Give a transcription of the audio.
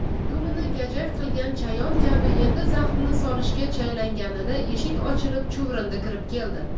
dumini gajak qilgan chayon kabi endi zahrini solishga shaylanganida eshik ochilib chuvrindi kirib keldi